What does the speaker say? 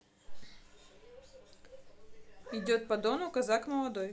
идет по дону казак молодой